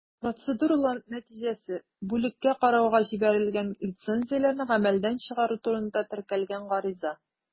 Процедуралар нәтиҗәсе: бүлеккә карауга җибәрелгән лицензияләрне гамәлдән чыгару турында теркәлгән гариза.